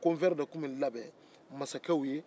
konfɛɛrɛ de tun bɛ labɛn masakɛw ye